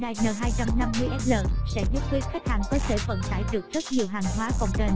hyundai n sl sẽ giúp quý khách hàng có thể vận tải được rất nhiều hàng hóa cồng kềnh